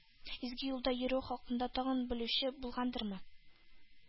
Изге юлда йөрүе хакында тагын белүче булгандырмы,